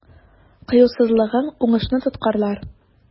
Кыюсызлыгың уңышны тоткарлар.